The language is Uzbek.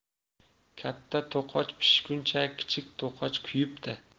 katta to'qoch pishguncha kichik to'qoch kuyibdi